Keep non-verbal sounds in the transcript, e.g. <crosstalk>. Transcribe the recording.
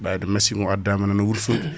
ɓade massiŋ o addama nana Wourossogui <clears throat>